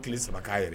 Kili 3 k'a yɛrɛ y